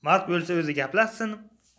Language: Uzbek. mard bo'lsa o'zi gaplashsin